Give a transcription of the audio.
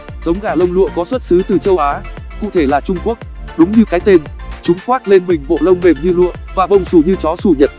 giống gà lông lụa có xuất xứ từ châu á cụ thể là trung quốc đúng như cái tên chúng khoác lên mình bộ lông mềm như lụa và bông xù như chó xù nhật